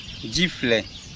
ji filɛ